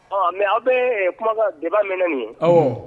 Ɔ mɛ aw bɛ kumakan deba minɛ nin